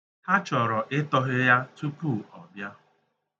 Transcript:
Ha chọrọ ịtọhe ya tupu ọ bịa.